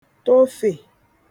tofe